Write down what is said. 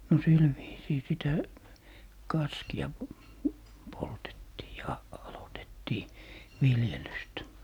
no sillä viisiin sitä kaskea poltettiin ja aloitettiin viljelystä